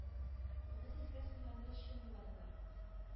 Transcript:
Моны сезгә сыйланыр өчен юлладылар